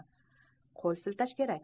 qo'l siltash kerak